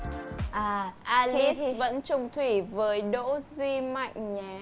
à a ly vẫn chung thủy với đỗ duy mạnh nhờ